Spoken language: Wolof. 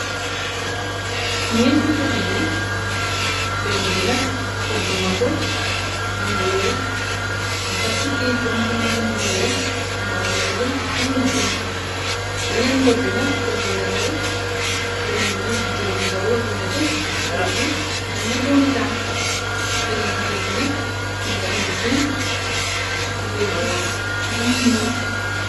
gñeenti potidu benn bi nak pot bu mag la am lu weex ñu taf ci keyit bu am bind bind yu weex am lu girin beneen pot bi nak pot bu nette la benneen bi nak butil bu ndaw la bu nete bopp bi am lu doomitaal benneen butil bi nak mu ngi am lu pink ci ku beer gi mu am lu ñuul